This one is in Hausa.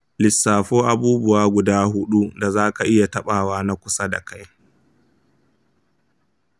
lissafo abubuwa guda huɗu da za ka iya taɓawa na kusa da kai.